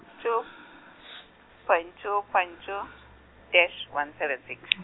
two, point two point two, dash one seven six .